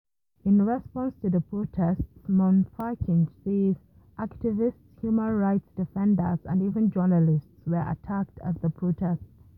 In response to the protest, Mamfakinch says activists, human rights defenders and even journalists were attacked at the protest.